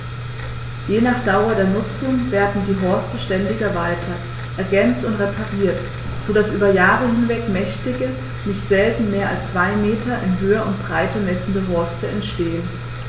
Je nach Dauer der Nutzung werden die Horste ständig erweitert, ergänzt und repariert, so dass über Jahre hinweg mächtige, nicht selten mehr als zwei Meter in Höhe und Breite messende Horste entstehen.